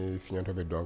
Ni fi fiɲɛta bɛ dɔn